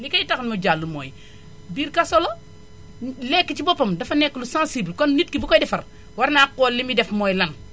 li koy tax mu jàll mooy biir kaso la lekk ci boppam dafa nekk lu sensible kon nit ku bu koy defar war naa xool li muy def mooy lan